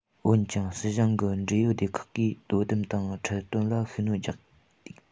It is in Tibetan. འོན ཀྱང སྲིད གཞུང གི འབྲེལ ཡོད སྡེ ཁག གིས དོ དམ དང ཁྲིད སྟོན ལ ཤུགས སྣོན བརྒྱབ སྟེ